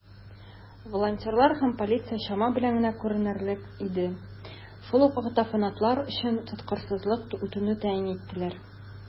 Волонтерлар һәм полиция чама белән генә күренерлек иде, шул ук вакытта фанатлар өчен тоткарлыксыз үтүне тәэмин иттеләр.